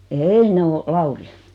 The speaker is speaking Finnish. ei ne on Laurin